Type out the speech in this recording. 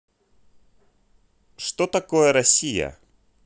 что такое россия